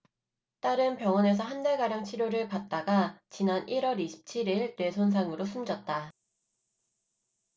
딸은 병원에서 한 달가량 치료받다가 지난 일 월 이십 칠 일 뇌 손상으로 숨졌다